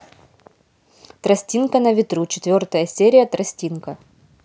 тростинка на ветру четвертая серия тростинка